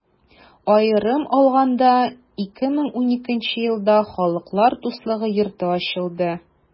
Аерым алаганда, 2012 нче елда Халыклар дуслыгы йорты ачылды.